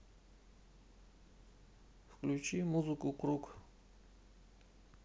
включи музыку круг